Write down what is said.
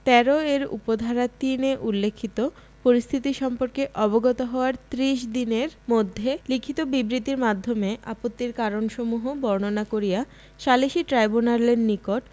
১৩ এর উপ ধারা ৩ এ উল্লেখিত পরিস্থিতি সম্পর্কে অবগত হওয়ার ত্রিশ দিনের মধ্যে লিখিত বিবৃতির মাধ্যমে আপত্তির কারণসমূহ বর্ণনা করিয়া সালিসী ট্রইব্যুনালের নিকট